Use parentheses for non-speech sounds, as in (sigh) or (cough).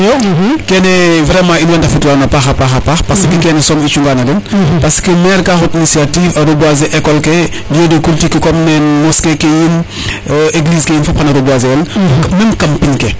iyo kene vraiment in way ndefetlu wan a paxa paxa paxa paax parce que kene soom i cunga na den parce que maire ka xot intiative a reboiser école ke (unintelligible) comme nen mosqué ke yiin église ke yiin fop xaya reboiser el fok meme kam pin ke